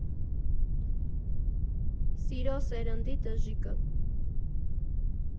Սիրո սերնդի տժժիկը։